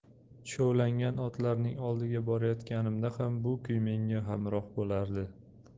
tushovlangan otlarning oldiga borayotganimda ham bu kuy menga hamroh bo'lardi